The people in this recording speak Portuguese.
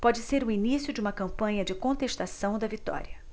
pode ser o início de uma campanha de contestação da vitória